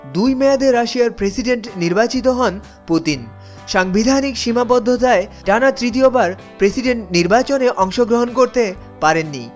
দুই মেয়াদে রাশিয়ার প্রেসিডেন্ট নির্বাচিত হন পুতিন সাংবিধানিক সীমাবদ্ধতার টানা তৃতীয়বার প্রেসিডেন্ট নির্বাচনে অংশগ্রহণ করতে পারেননি